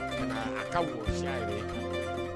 O kumanaa a ka wɔsiya yɛrɛ ye